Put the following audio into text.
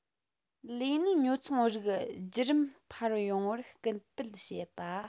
ལས སྣོན ཉོ ཚོང རིགས བསྒྱུར རིམ འཕར ཡོང བར སྐུལ སྤེལ བྱེད པ